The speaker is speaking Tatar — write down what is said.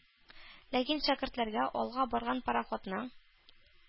Ләкин шәкертләргә алга барган пароходның